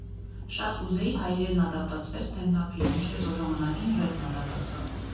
Շատ կուզեի հայերենն ադապտացվեր սթենդափին, ինչպես որ ժամանակին ռեպն ադապտացավ։